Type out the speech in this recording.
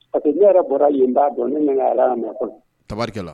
Pa que ne yɛrɛ bɔra yen'a dɔn min tari la